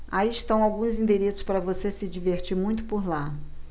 aí estão alguns endereços para você se divertir muito por lá